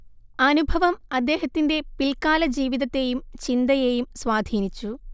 അനുഭവം അദ്ദേഹത്തിന്റെ പിൽക്കാലജീവിതത്തേയും ചിന്തയേയും സ്വാധീനിച്ചു